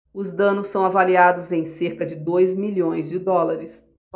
os danos são avaliados em cerca de dois milhões de dólares